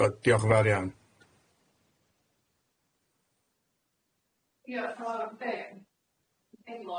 So, diolch yn fawr iawn.